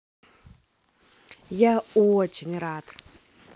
я очень рад